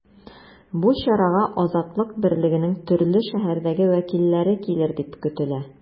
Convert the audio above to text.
Бу чарага “Азатлык” берлегенең төрле шәһәрдәге вәкилләре килер дип көтелә.